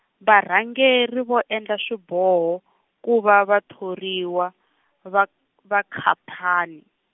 varhangeri vo endla swiboho ku va vathoriwa va k-, va khamphani.